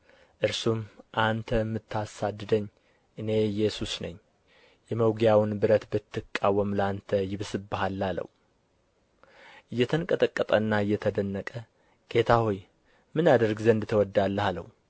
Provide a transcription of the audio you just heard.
እርሱም አንተ የምታሳድደኝ እኔ ኢየሱስ ነኝ የመውጊያውን ብረት ብትቃወም ለአንተ ይብስብሃል አለው እየተንቀጠቀጠና እየተደነቀ ጌታ ሆይ ምን አደርግ ዘንድ ትወዳለህ አለው